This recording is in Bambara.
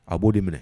A b'o minɛ